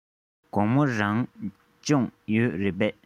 དགོང མོ རང སྦྱོང ཡོད རེད པས